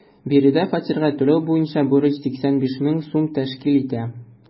Биредә фатирга түләү буенча бурыч 85 мең сум тәшкил итә.